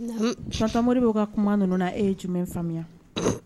. Tonton Modibo ka kuma ninnu na ,e ye jumɛn faamuya. .